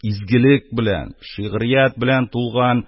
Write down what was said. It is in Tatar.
Изгелек белән, шигърият белән тулган